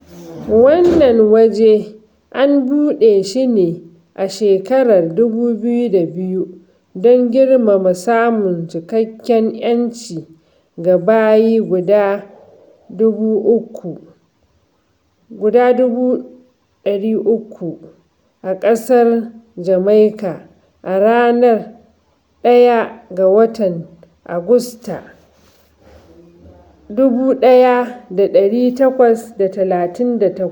Wannan waje an buɗe shi ne a shekarar 2002 don girmama samun "cikakken 'yanci" ga bayi guda 300,000 a ƙasar Jamaika a ranar I ga watan Agusta, 1838.